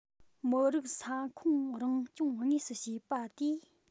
མི རིགས ས ཁོངས རང སྐྱོང དངོས སུ བྱེད པ དེའི